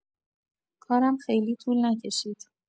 کارم خیلی طول نکشید.